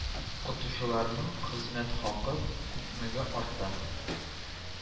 Укытучыларның хезмәт хакы күпмегә арта